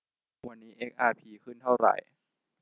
วันนี้เอ็กอาร์พีขึ้นเท่าไหร่